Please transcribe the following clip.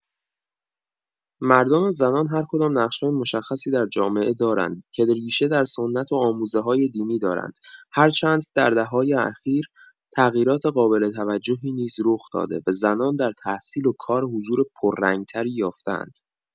مردان و زنان هر کدام نقش‌های مشخصی در جامعه دارند که ریشه در سنت و آموزه‌های دینی دارند، هرچند در دهه‌های اخیر تغییرات قابل توجهی نیز رخ‌داده و زنان در تحصیل و کار حضور پررنگ‌تری یافته‌اند.